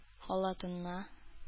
Халатыңа